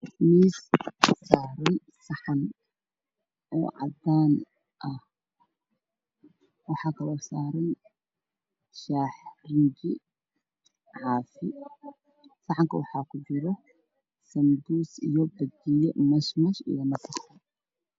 Waxaa miiska hoos yaalo saxan uu ku jiro sanbuus, afar xabo ah